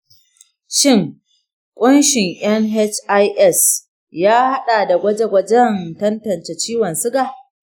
shin ƙunshin nhis ya haɗa da gwaje-gwajen tantance ciwon suga?